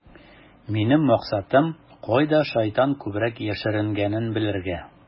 Минем максатым - кайда шайтан күбрәк яшеренгәнен белергә.